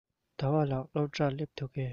ཟླ བ ལགས སློབ གྲྭར སླེབས འདུག གས